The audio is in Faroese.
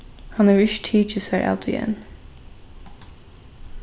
hann hevur ikki tikið sær av tí enn